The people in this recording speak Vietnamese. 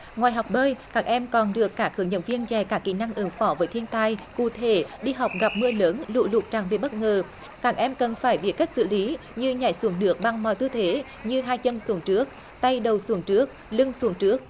ngoài học bơi các em còn được các hướng dẫn viên dạy các kỹ năng ứng phó với thiên tai cụ thể đi học gặp mưa lớn lũ lụt chẳng bị bất ngờ các em cần phải biết cách xử lý như nhảy xuống nước bằng mọi tư thế như hai chân xuống trước tay đầu xuống trước lưng xuống trước